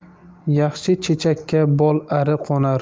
yaxshi chechakka bolari qo'nar